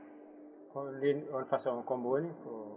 hol ndin on façon kobmo woni ko